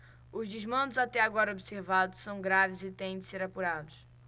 os desmandos até agora observados são graves e têm de ser apurados